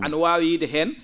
ano waawi yiide heen